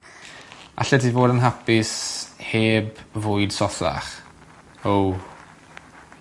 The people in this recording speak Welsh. Allet ti fod yn hapus heb fwyd sothach? O.